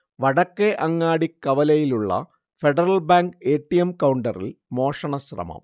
വടക്കേ അങ്ങാടി കവലയിലുള്ള Federal Bank A. T. M കൗണ്ടറിൽ മോഷണശ്രമം